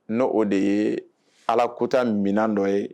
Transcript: N' o de ye ala kuta minɛn dɔ ye